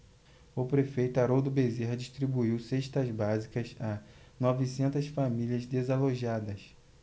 o prefeito haroldo bezerra distribuiu cestas básicas a novecentas famílias desalojadas